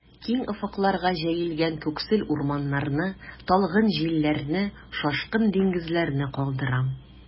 Киң офыкларга җәелгән күксел урманнарны, талгын җилләрне, шашкын диңгезләрне калдырам.